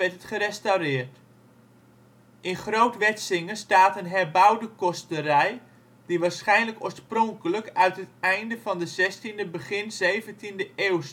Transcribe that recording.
het gerestaureerd. In Groot Wetsinge staat een herbouwde kosterij die waarschijnlijk oorspronkelijk uit het einde van de 16e, begin 17e eeuw stamt